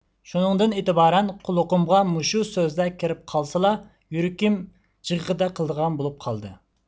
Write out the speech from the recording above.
شۇنىڭدىن ئېتىبارەن قۇلىقىمغا مۇشۇ سۆزلەر كىرىپ قالسىلا يۈرىكىم جىغغىدە قىلىدىغان بولۇپ قالدى